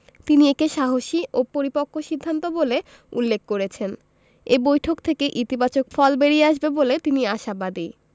তিনি একে সাহসী ও পরিপক্ব সিদ্ধান্ত বলে উল্লেখ করেছেন এ বৈঠক থেকে ইতিবাচক ফল বেরিয়ে আসবে বলে তিনি আশাবাদী